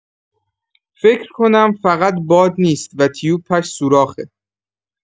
فکر کنم فقط باد نیست و تیوبش سوراخه.